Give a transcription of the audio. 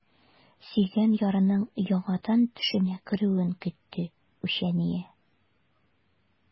Сөйгән ярының яңадан төшенә керүен көтте үчәния.